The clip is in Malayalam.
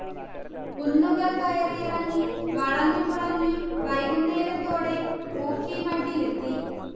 കുന്നുകൾ കയറിയിറങ്ങി, വളഞ്ഞു പുളഞ്ഞു വൈകുന്നേരത്തോടെ ഊഖിമഠീലെത്തി